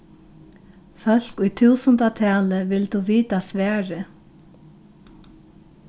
fólk í túsundatali vildu vita svarið